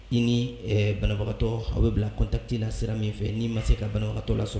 I ni banabagatɔ aw bɛ bila contact sira min fɛ n'i ma se ka banabagatɔ lasɔrɔ